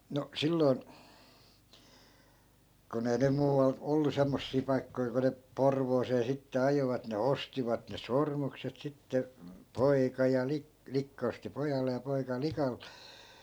no silloin kun ei nyt muualla ollut semmoisia paikkoja kun ne Porvooseen sitten ajoivat ne ostivat ne sormukset sitten poika ja - likka osti pojalle ja poika likalle